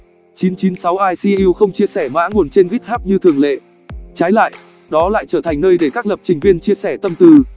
icu không chia sẻ mã nguồn trên github như thường lệ trái lại đó lại trở thành nơi để các lập trình viên chia sẻ tâm tư